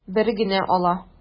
Бер генә ала.